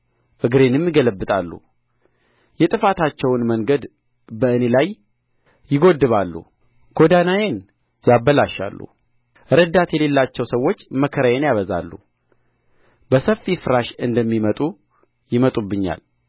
እግሬንም ይገለብጣሉ የጥፋታቸውን መንገድ በእኔ ላይ ይጐድባሉ ጐዳናዬን ያበላሻሉ ረዳት የሌላቸው ሰዎች መከራዬን ያበዛሉ በሰፊ ፍራሽ እንደሚመጡ ይመጡብኛል